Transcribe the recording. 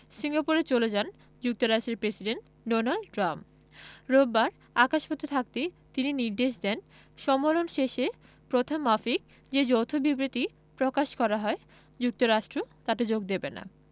সিঙ্গাপুরে চলে যান যুক্তরাষ্ট্রের প্রেসিডেন্ট ডোনাল্ড ট্রাম্প রোববার আকাশপথে থাকতেই তিনি নির্দেশ দেন সম্মেলন শেষে প্রথামাফিক যে যৌথ বিবৃতি প্রকাশ করা হয় যুক্তরাষ্ট্র তাতে যোগ দেবে না